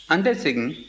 an tɛ segin